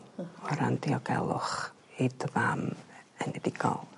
o ran diogelwch i dy fam enidigol.